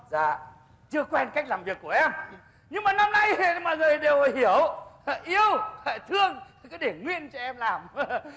dạ chưa quen cách làm việc của em nhưng mà năm nay mọi người đều hiểu yêu thương thì cứ để nguyên cho em làm